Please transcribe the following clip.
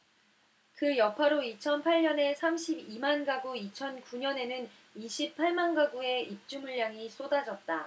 그 여파로 이천 팔 년에 삼십 이 만가구 이천 구 년에는 이십 팔 만가구의 입주물량이 쏟아졌다